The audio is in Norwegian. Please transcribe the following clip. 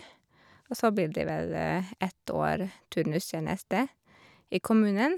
Og så blir det vel ett år turnustjeneste i kommunen.